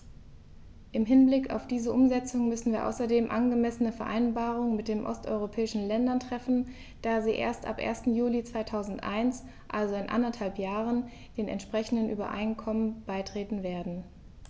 Im Hinblick auf diese Umsetzung müssen wir außerdem angemessene Vereinbarungen mit den osteuropäischen Ländern treffen, da sie erst ab 1. Juli 2001, also in anderthalb Jahren, den entsprechenden Übereinkommen beitreten werden.